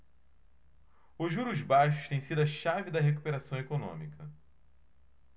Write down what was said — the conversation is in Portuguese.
os juros baixos têm sido a chave da recuperação econômica